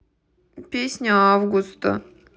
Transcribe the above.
песня август